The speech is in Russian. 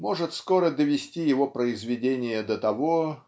может скоро довести его произведения до того